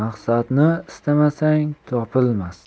maqsadni istamasang topilmas